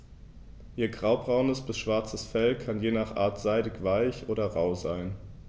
Ihr graubraunes bis schwarzes Fell kann je nach Art seidig-weich oder rau sein.